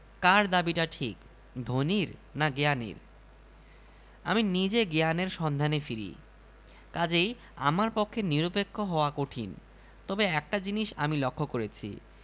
কার দাবিটা ঠিক ধনীর না জ্ঞানীর আমি নিজে জ্ঞানের সন্ধানে ফিরি কাজেই আমার পক্ষে নিরপেক্ষ হওয়া কঠিন তবে একটা জিনিস আমি লক্ষ করেছি